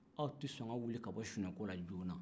aw tɛ sɔn ka wili ka bɔ sunɔgɔ la joona